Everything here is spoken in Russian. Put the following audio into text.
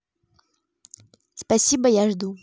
спасибо я жду